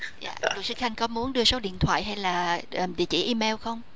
dạ luật sư khanh có muốn đưa số điện thoại hay là địa chỉ in meo không